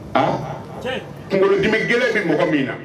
A kunkolodimi kelen bɛ mɔgɔ min na